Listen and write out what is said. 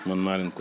man maa leen koy